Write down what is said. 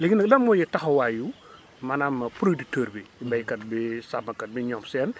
léegi nag blan mooy taxawaayu maanaam producteur bi mbéykat bi sàmmkat bi ñoom seen